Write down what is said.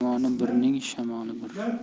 xirmoni birning shamoli bir